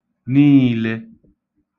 niīlē